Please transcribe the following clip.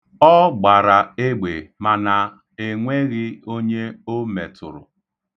Ọ gbara egbe mana e nweghị onye o metụrụ.